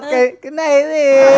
cái cái